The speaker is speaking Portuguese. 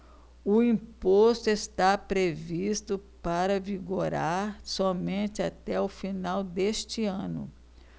o imposto está previsto para vigorar somente até o final deste ano